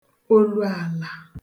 oluàlà